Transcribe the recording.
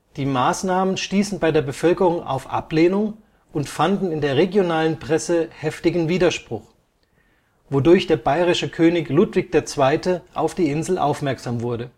Die Maßnahmen stießen bei der Bevölkerung auf Ablehnung und fanden in der regionalen Presse heftigen Widerspruch, wodurch der bayerische König Ludwig II. auf die Insel aufmerksam wurde